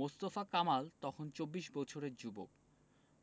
মোস্তফা কামাল তখন চব্বিশ বছরের যুবক